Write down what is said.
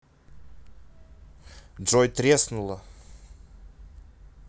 джой треснула